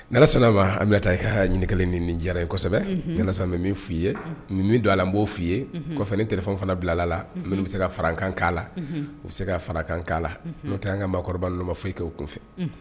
Nala sɔnna ma Aminata i ka ɲininkali in diyara ye n bi min f fi ye don a bo fi ye kɔfɛ ni téléphone fana bilala la minnu bi se ka fara kan ka la , u bi se ka fara kan ka la no tɛ an ka maakɔrɔbaw ma fosi kɛ kun kɔfɛ